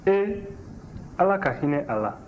ee ala ka hinɛ a la